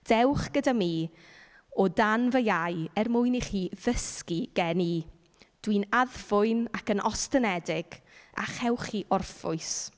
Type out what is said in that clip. Dewch gyda mi o dan fy iau er mwyn i chi ddysgu gen i. Dwi'n addfwyn ac yn ostyngedig a chewch chi orffwys.